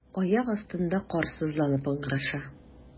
Аяк астында кар сызланып ыңгыраша.